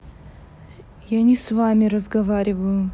я не с вами разговариваю